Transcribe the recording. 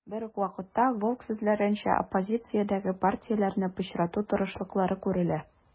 Берүк вакытта, Волк сүзләренчә, оппозициядәге партияләрне пычрату тырышлыклары күрелә.